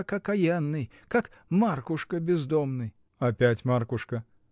как окаянный, как Маркушка бездомный! — Опять Маркушка!